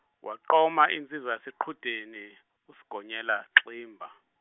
waqoma insizwa yaseQhudeni, uSigonyela Ximba.